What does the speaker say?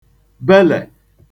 bele